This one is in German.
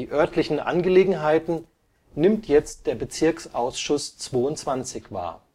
örtlichen Angelegenheiten nimmt jetzt der Bezirksausschuss 22 wahr